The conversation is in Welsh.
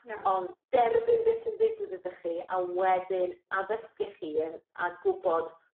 Na. ...on' derbyn be' sy'n ddigwydd iddo chi a wedyn addysgu'ch hyn a gwbod